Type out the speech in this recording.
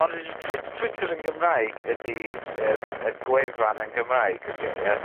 Ond... O ie. ...Twit- Twitter yn Gymraeg ydi yym y gwefan yn Gymraeg ydi o ie?